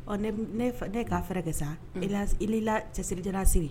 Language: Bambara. Ɔ ne k'a fɛɛrɛ kɛ sa la cɛsiri tɛse